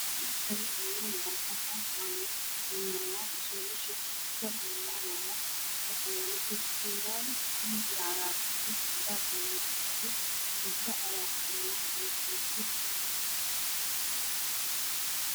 Meeshaan waa meel barxad ah waana lugu qaxweynaya ama shaaxa lugu cabaa. Waxaa yaala kursi buluug iyo cagaar ah miiskana waa cadaan. Gabdho ayaa fadhiyo meeshaasi.